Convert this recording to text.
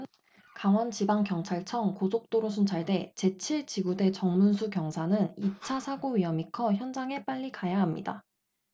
강원지방경찰청 고속도로순찰대 제 칠 지구대 정문수 경사는 이 차 사고 위험이 커 현장에 빨리 가야 합니다